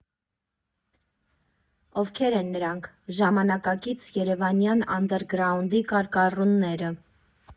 Ովքե՞ր են նրանք՝ ժամանակակից երևանյան անդերգրաունդի կարկառունները։